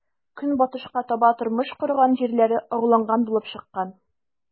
Көнбатышка таба тормыш корган җирләре агуланган булып чыккан.